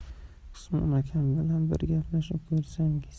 usmon akam bilan bir gaplashib ko'rsangiz